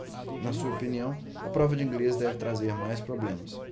na sua opinião a prova de inglês deve trazer mais problemas